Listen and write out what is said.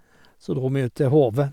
Så dro vi ut til Hove.